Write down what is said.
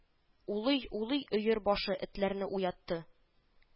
Улый-улый Өер башы этләрне уятты